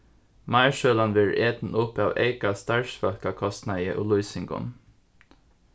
meirsølan verður etin upp av eyka starvsfólkakostnaði og lýsingum